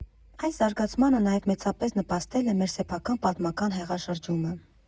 Այս զարգացմանը նաև մեծապես նպաստել է մեր սեփական պատմական հեղաշրջումը.